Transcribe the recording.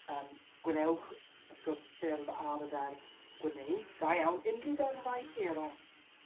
yn gwnewch wrth gwrs ffurf ar y ferf gwneud da iawn. Unryw ferfau eraill?